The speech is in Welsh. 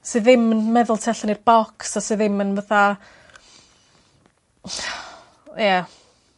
sy ddim yn meddwl tu allan i'r bocs a sy ddim yn fatha ia.